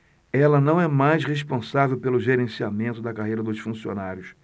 ela não é mais responsável pelo gerenciamento da carreira dos funcionários